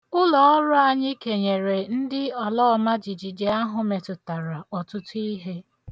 Ụlọọrụ anyị kenyere ndị alọọmajijiji ahụ metutara ọtụtụ ihe.